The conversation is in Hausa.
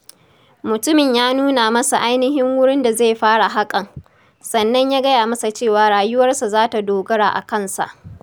Mutumin ya nuna masa ainihin wurin da zai fara haƙan, sannan ya gaya masa cewa rayuwarsa za ta dogara a kansa.